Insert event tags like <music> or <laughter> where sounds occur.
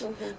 <hesitation> <hesitation>